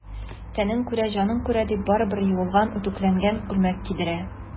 Тәнең күрә, җаның күрә,— дип, барыбер юылган, үтүкләнгән күлмәк кидерә.